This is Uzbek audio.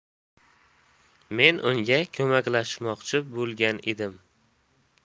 men unga ko'maklashmoqchi bo'lgan edim